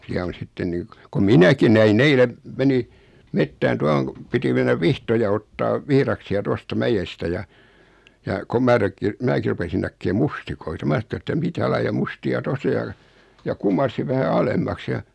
siellä on sitten niin - kun minäkin näin eilen menin metsään tuohon kun piti mennä vihtoja ottamaan vihdaksia tuosta mäestä ja ja kun minä - minäkin rupesin näkemään mustikoita minä sanoin että että mitä lajia mustia tuossa on ja ja kumarsin vähän alemmaksi ja